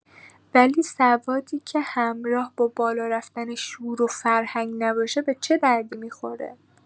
ولی سوادی که همراه با بالا رفتن شعور وفرهنگ نباشه به چه دردی می‌خوره؟